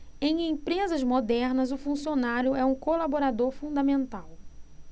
em empresas modernas o funcionário é um colaborador fundamental